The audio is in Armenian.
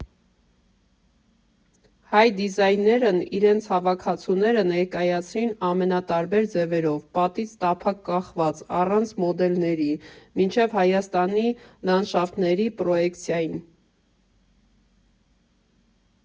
Հայ դիզայներն իրենց հավաքածուները ներկայացրին ամենատարբեր ձևերով՝ պատից տափակ կախված՝ առանց մոդելների, մինչև Հայաստանի լանդշաֆտների պրոեկցիային։